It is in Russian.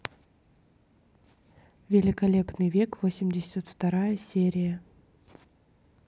великолепный век восемьдесят вторая серия